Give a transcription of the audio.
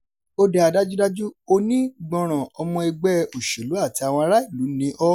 Ó dáa, dájúdájú onígbọràn ọmọ ẹgbẹ́ òṣèlú àti àwọn ará ìlú ni ọ́.